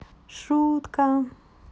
шутка